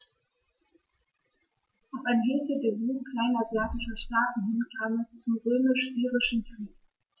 Auf ein Hilfegesuch kleinasiatischer Staaten hin kam es zum Römisch-Syrischen Krieg.